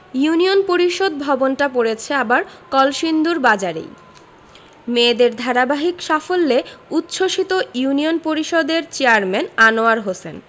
union Parishad ভবনটা পড়েছে আবার কলসিন্দুর বাজারেই মেয়েদের ধারাবাহিক সাফল্যে উচ্ছ্বসিত ইউনিয়ন পরিষদের চেয়ারম্যান আনোয়ার হোসেন